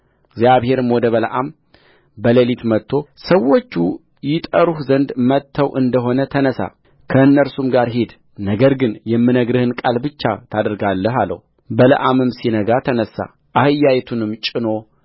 እግዚአብሔርም ወደ በለዓም በሌሊት መጥቶ ሰዎቹ ይጠሩህ ዘንድ መጥተው እንደ ሆነ ተነሣ ከእነርሱም ጋር ሂድ ነገር ግን የምነግርህን ቃል ብቻ ታደርጋለህ አለውበለዓምም ሲነጋ ተነሣ አህያይቱንም ጭኖ